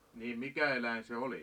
niin mikä eläin se oli